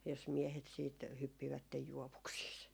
jos miehet sitten hyppivät juovuksissa